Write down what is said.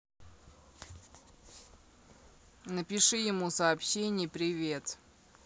напиши ему сообщение привет